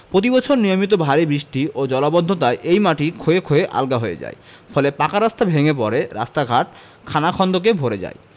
প্রতিবছর নিয়মিত ভারি বৃষ্টি ও জলাবদ্ধতায় এই মাটি ক্ষয়ে ক্ষয়ে আলগা হয়ে যায় ফলে পাকা রাস্তা ভেঙ্গে পড়ে রাস্তাঘাট খানাখন্দকে ভরে যায়